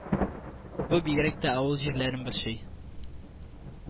Бу бигрәк тә авыл җирләрен борчый